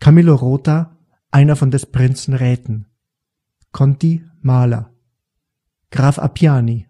Camillo Rota, einer von des Prinzen Räten Conti Maler Graf Appiani